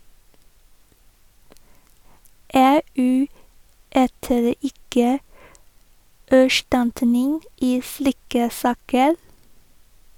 EU yter ikke erstatning i slike saker.